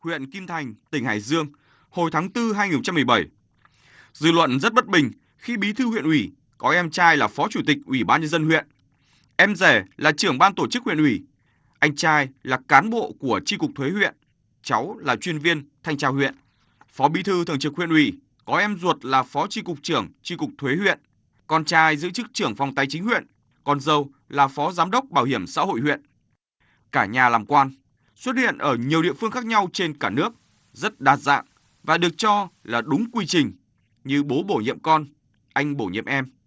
huyện kim thành tỉnh hải dương hồi tháng tư hai nghìn không trăm mười bảy dư luận rất bất bình khi bí thư huyện ủy có em trai là phó chủ tịch ủy ban nhân dân huyện em rể là trưởng ban tổ chức huyện ủy anh trai là cán bộ của chi cục thuế huyện cháu là chuyên viên thanh tra huyện phó bí thư thường trực huyện ủy có em ruột là phó chi cục trưởng chi cục thuế huyện con trai giữ chức trưởng phòng tài chính huyện con dâu là phó giám đốc bảo hiểm xã hội huyện cả nhà làm quan xuất hiện ở nhiều địa phương khác nhau trên cả nước rất đa dạng và được cho là đúng quy trình như bố bổ nhiệm con anh bổ nhiệm em